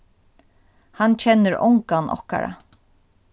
hann kennir ongan okkara